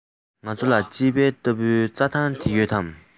ང ཚོ ལ དཔྱིད དཔལ ལྟ བུའི རྩ ཐང དེ ཡོད དམ